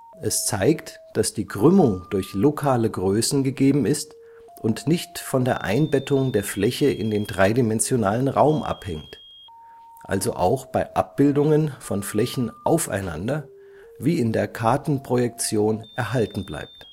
Es zeigt, dass die Krümmung durch lokale Größen gegeben ist und nicht von der Einbettung der Fläche in den dreidimensionalen Raum abhängt, also auch bei Abbildungen von Flächen aufeinander wie in der Kartenprojektion erhalten bleibt